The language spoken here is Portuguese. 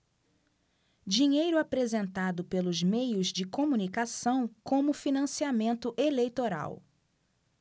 dinheiro apresentado pelos meios de comunicação como financiamento eleitoral